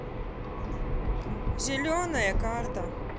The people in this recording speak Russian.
зеленая карта